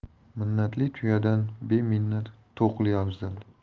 minnatli tuyadan beminnat to'qli afzal